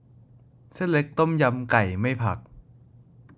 เส้นเล็กต้มยำไก่ไม่ผัก